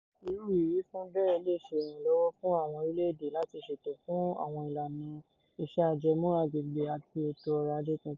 Irú ìwífún bẹ́ẹ̀ lè ṣe ìrànlọ́wọ́ fún àwọn orílẹ̀-èdè láti ṣètò fún àwọn ìlànà-ìṣe ajẹmọ́-agbègbè àti ètò ọrọ̀-ajé tuntun.